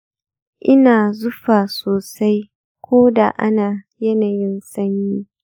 ina zufa sosai koda ana yanayin sanyi.